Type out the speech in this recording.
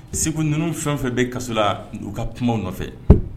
Segu ninnu fɛn fɛn bɛ kaso la u ka kuma nɔfɛ